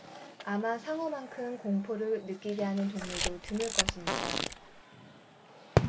아마 상어만큼 공포를 느끼게 하는 동물도 드물 것입니다